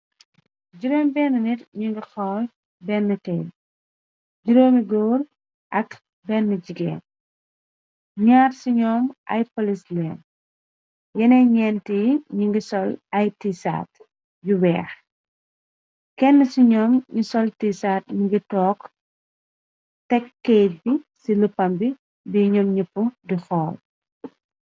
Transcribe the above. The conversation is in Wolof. j6nit ñi ngi xooy bena t gr ak bena jgéen ñaar ci ñoom ipolis leen yene ñent yi ñi ngi sol ai tisaat yu weex kenn ci ñoom ñi sol tisaat ningi took tek kayt bi ci lupam bi bi ñoom ñëpp di xool